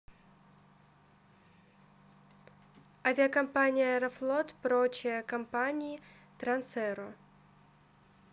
авиакомпания аэрофлот прочее компании трансаэро